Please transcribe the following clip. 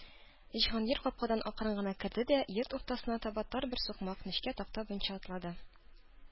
Җиһангир капкадан акрын гына керде дә йорт уртасына таба тар бер сукмак—нечкә такта буенча атлады.